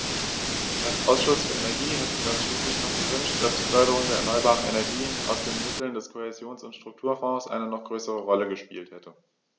Als Ausschuss für Energie hätten wir uns schließlich noch gewünscht, dass die Förderung der erneuerbaren Energien aus den Mitteln des Kohäsions- und Strukturfonds eine noch größere Rolle gespielt hätte.